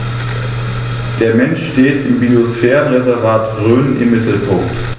Der Mensch steht im Biosphärenreservat Rhön im Mittelpunkt.